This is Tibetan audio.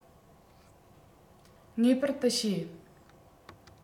ངེས པར དུ བཤད